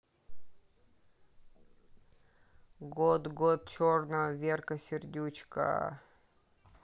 год год черного верка сердючка